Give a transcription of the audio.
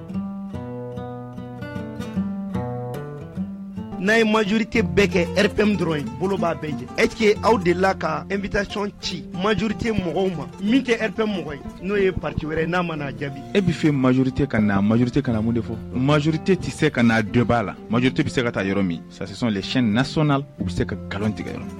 N'a ye majri tɛ bɛɛ kɛ p dɔrɔn bolo bɛɛ jɛ e aw de la ka e bɛ taa ci majri tɛ mɔgɔw ma min tɛ p ye n'o ye pa wɛrɛ ye n'a mana jaabi e bɛ fɛ majrite ka majurute ka mun de fɔ majrite tɛ se ka dɔ b'a la maj te bɛ se ka taa yɔrɔ min sasic na sɔn u bɛ se ka nkalon tigɛyɔrɔ